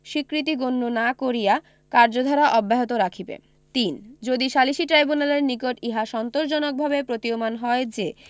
স্বীকৃতি গণ্য না করিয়া কার্যধারা অব্যাহত রাখিবে ৩ যদি সালিসী ট্রাইব্যুনালের নিকট ইহা সন্তোষজনকভাবে প্রতীয়মান হয় যে